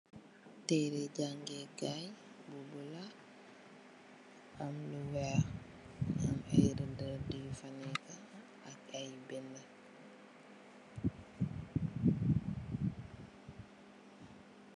Tehreh jaangeh kaii bu bleu, am lu wekh, am aiiy rehdue rehdue yufa neka ak aiiy binda.